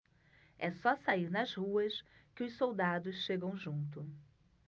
é só sair nas ruas que os soldados chegam junto